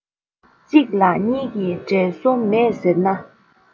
གཅིག ལ གཉིས ཀྱི འབྲེལ སོ མེད ཟེར ན